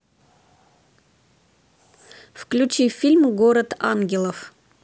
включи фильм город ангелов